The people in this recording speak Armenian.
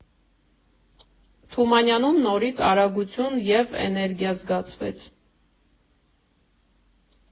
Թումանյանում նորից արագություն և էներգիա զգացվեց։